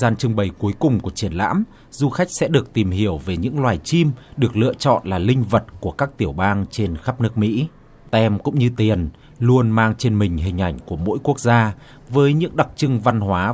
gian trưng bày cuối cùng của triển lãm du khách sẽ được tìm hiểu về những loài chim được lựa chọn là linh vật của các tiểu bang trên khắp nước mỹ tem cũng như tiền luôn mang trên mình hình ảnh của mỗi quốc gia với những đặc trưng văn hóa